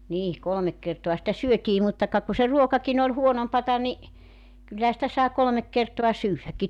niin kolme kertaa sitä syötiin mutta ka kun se ruokakin oli huonompaa niin kyllähän sitä sai kolme kertaa syödäkin